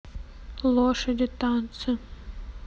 лошади танцы